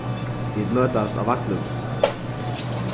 vit møtast á vaglinum